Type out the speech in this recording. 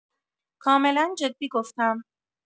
کاملا جدی گفتم.